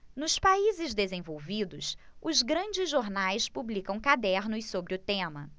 nos países desenvolvidos os grandes jornais publicam cadernos sobre o tema